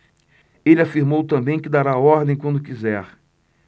ele afirmou também que dará a ordem quando quiser